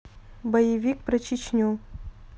боевик про чечню